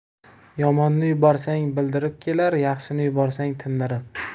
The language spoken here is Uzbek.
yomonni yuborsang bildirib kelar yaxshini yuborsang tindirib